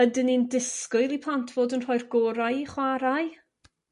ydyn ni'n disgwyl i plant fod yn rhoi'r gorau i chwarae?